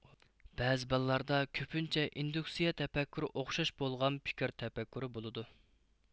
بەزى بالىلاردا كۆپىنچە ئىندۇكسىيە تەپەككۇرى ئوخشاش بولغان پىكىر تەپەككۇرى بولىدۇ